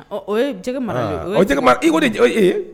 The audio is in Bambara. O o i ko de